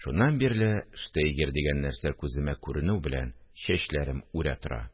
Шуннан бирле штейгер дигән нәрсә күземә күренү белән чәчләрем үрә тора